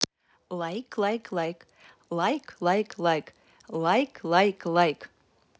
лайк лайк лайк лайк лайк лайк лайк лайк лайк лайк лайк лайк